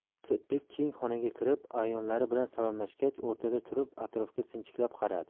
asadbek keng xonaga kirib a'yonlari bilan salomlashgach o'rtada turib atrofga sinchiklab qaradi